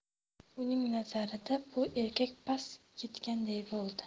uning nazarida bu erkak past ketganday bo'ldi